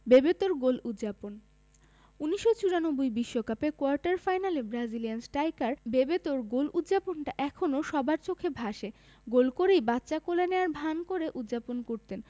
বেবেতোর গোল উদ্যাপন ১৯৯৪ বিশ্বকাপে কোয়ার্টার ফাইনালে ব্রাজিলিয়ান স্ট্রাইকার বেবেতোর গোল উদ্যাপনটা এখনো সবার চোখে ভাসে গোল করেই বাচ্চা কোলে নেওয়ার ভান করে উদ্যাপন করতেন